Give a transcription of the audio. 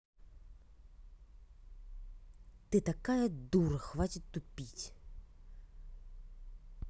ты такая дура хватит тупить